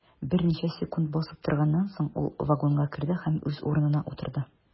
Берничә секунд басып торганнан соң, ул вагонга керде һәм үз урынына утырды.